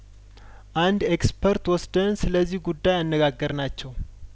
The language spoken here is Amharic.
አንድ ኤክስፐርት ወስደን ስለዚህ ጉዳይ አነጋገር ናቸው